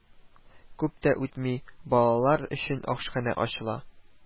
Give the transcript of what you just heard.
Күп тә үтми, балалар өчен ашханә ачыла